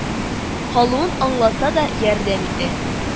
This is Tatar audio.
Калуын аңласа да, ярдәм итә